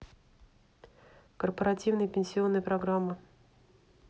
корпоративная пенсионная программа